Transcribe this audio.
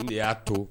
Ni y'a to